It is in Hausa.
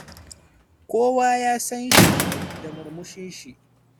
“Kowa ya san shi da murmushin shi.